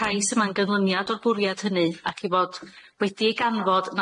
cais yma'n gynlyniad o'r bwriad hynny ac i fod wedi ei ganfod